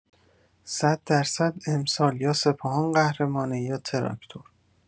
صددرصد امسال یا سپاهان قهرمانه یا تراکتور.